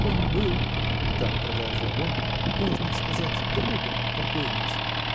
Он был, -- так продолжал он, -- можно сказать, другом покойницы.